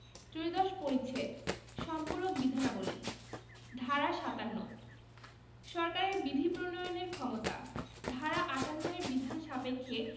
ত্রয়োদশ পরিচ্ছেদ সম্পূরক বিধানাবলী ধারা ৫৭ সরকারের বিধি প্রণয়নের ক্ষমতা ধারা ৫৮ এর বিধান সাপেক্ষে